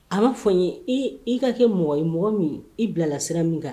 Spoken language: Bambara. A ma fɔ n ye . I ka kɛ mɔgɔ ye , mɔgɔ min i bilala sira min kan